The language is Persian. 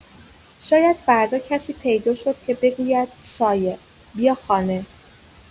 شاید فردا کسی پیدا شد که بگوید: سایه، بیا خانه.